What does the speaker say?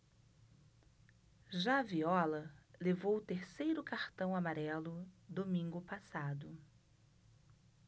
já viola levou o terceiro cartão amarelo domingo passado